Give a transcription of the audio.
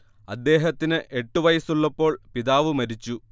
അദ്ദേഹത്തിന് എട്ടു വയസ്സുള്ളപ്പോൾ പിതാവ് മരിച്ചു